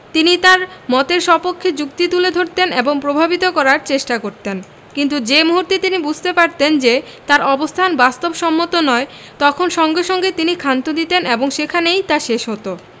তিনি তাঁর মতের সপক্ষে যুক্তি তুলে ধরতেন এবং প্রভাবিত করার চেষ্টা করতেন কিন্তু যে মুহূর্তে তিনি বুঝতে পারতেন যে তাঁর অবস্থান বাস্তবসম্মত নয় তখন সঙ্গে সঙ্গে তিনি ক্ষান্ত দিতেন এবং সেখানেই তা শেষ হতো